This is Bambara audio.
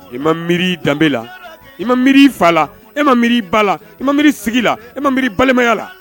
I ma miiri i danbe la, i ma miiri fa la, e ma miiri, i ba la i ma miiri sigi la, e ma miiri balimaya la